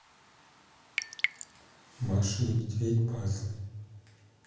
маша и медведь пазлы